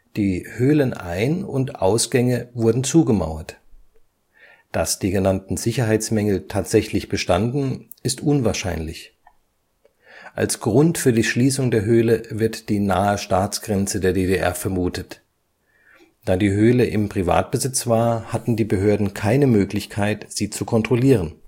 Die Höhlenein - und - ausgänge wurden zugemauert. Dass die genannten Sicherheitsmängel tatsächlich bestanden, ist unwahrscheinlich. Als Grund für die Schließung der Höhle wird die nahe Staatsgrenze der DDR vermutet. Da die Höhle im Privatbesitz war, hatten die Behörden keine Möglichkeit, sie zu kontrollieren